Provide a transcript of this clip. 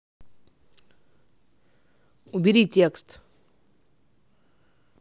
убери текст